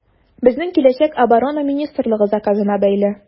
Безнең киләчәк Оборона министрлыгы заказына бәйле.